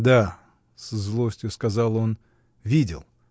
— Да, — с злостью сказал он, — видел!